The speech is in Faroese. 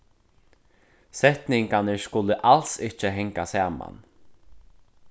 setningarnir skulu als ikki hanga saman